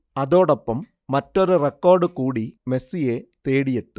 അതോടൊപ്പം മറ്റൊരു റെക്കോർഡ് കൂടി മെസ്സിയെ തേടിയെത്തും